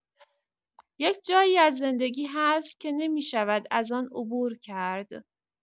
یک‌جایی از زندگی هست که نمی‌شود از آن عبور کرد.